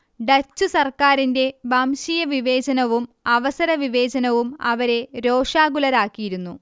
Dutch സർക്കാരിന്റെ വംശീയവിവേചനവും അവസരവിവേചനവും അവരെ രോഷാകുലരാക്കിയിരുന്നു